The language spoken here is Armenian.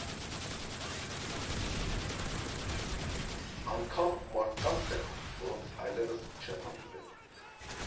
Անգամ մարդկանց հետ, որոնց այլևս չեմ հանդիպել։